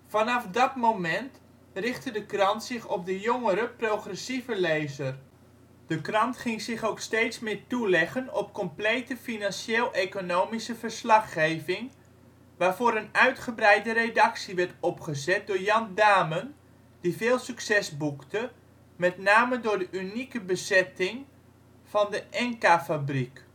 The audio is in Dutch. Vanaf dat moment richtte de krant zich op de ' jongere progressieve lezer '. De krant ging zich ook steeds meer toeleggen op complete financieel-economische verslaggeving, waarvoor een uitgebreide redactie werd opgezet door Jan Damen, die veel succes boekte, met name door de unieke bezetting van de Enka-fabriek